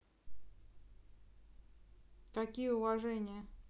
какие уважения